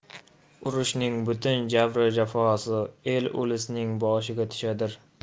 urushning butun jabru jafosi el ulusning boshiga tushadir